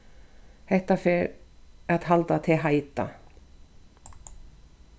hetta fer at halda teg heita